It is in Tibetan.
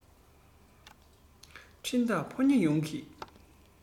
འཕྲིན བདག ཕོ ཉ ཡོང གི